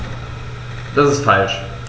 Das ist falsch.